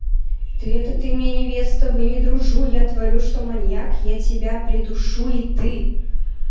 ты это ты мне невеста вы не дружу я творю что маньяк я тебя придушу и ты